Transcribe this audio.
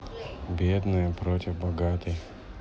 бедная против богатой